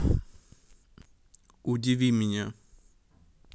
удиви меня